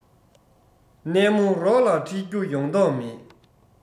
གནས མོ རོགས ལ ཁྲིད རྒྱུ ཡོང མདོག མེད